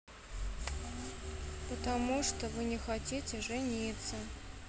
потому что вы не хотите жениться